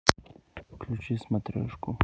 включи смотрешку